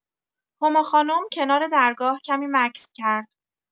هما خانم کنار درگاه کمی مکث کرد.